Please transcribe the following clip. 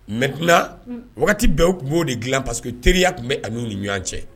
Mɛt bɛɛ tun b'o de dilan pa que terieliya tun bɛ n'u ni ɲɔgɔn cɛ